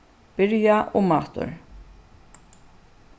byrja umaftur